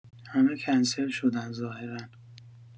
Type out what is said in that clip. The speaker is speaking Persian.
همه کنسل شدن ظاهرا